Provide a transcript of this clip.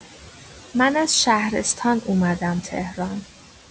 من از شهرستان اومدم تهران.